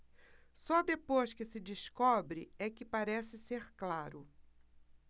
só depois que se descobre é que parece ser claro